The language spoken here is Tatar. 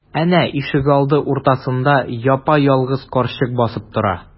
Әнә, ишегалды уртасында япа-ялгыз карчык басып тора.